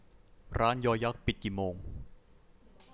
ร้านยยักษ์ปิดกี่โมง